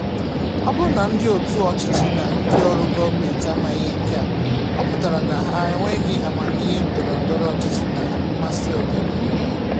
Ọ bụrụ na ndị òtù ọchịchị na ndịọrụ gọọmentị amaghị nke a, ọ pụtara na ha enweghị amamiihe ndọrọndọrọ ọchịchị na mmasị ọganihu ha.